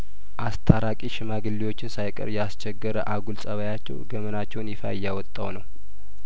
አስታራቂ ሽማግሌዎችን ሳይቀር ያስቸገረ አጉል ጸባያቸው ገመናቸውን ይፋ እያወጣው ነው